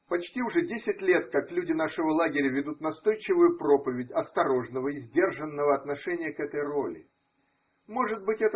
Почти уже десять лет, как люди нашего лагеря ведут настойчивую проповедь осторожного и сдержанного отношения к этой роли. Может быть.